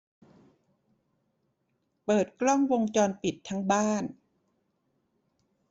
เปิดกล้องวงจรปิดทั้งบ้าน